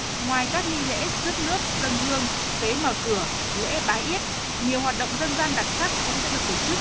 ngoài các nghi lễ rước nước dâng hương tế mở cửa lễ bái yết nhiều hoạt động dân gian đặc sắc cũng sẽ được tổ chức